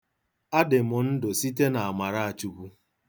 Adị m ndụ site n'amarachukwu